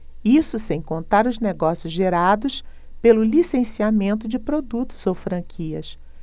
isso sem contar os negócios gerados pelo licenciamento de produtos ou franquias